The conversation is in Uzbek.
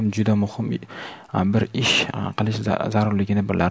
juda muhim bir ish qilish zarurligini bilar